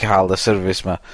...ca'l y service 'ma.